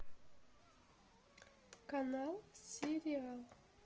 канал сериал